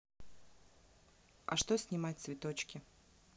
а что снимать цветочки